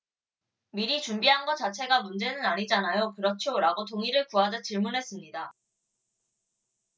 미리 준비한 거 자체가 문제는 아니잖아요 그렇죠 라고 동의를 구하듯 질문했습니다